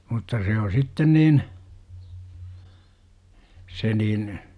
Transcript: mutta se on sitten niin se niin